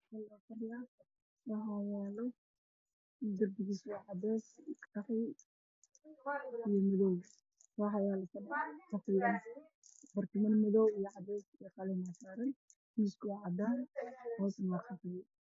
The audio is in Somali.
Meeshaan waxaa yaalo guri darbigiisa cadaan yahay iyo barkimo guduudkii caddaan ah miiskan waa cadda